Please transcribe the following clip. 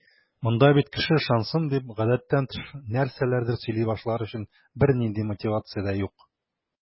Монда бит кеше ышансын дип, гадәттән тыш нәрсәләрдер сөйли башлар өчен бернинди мотивация дә юк.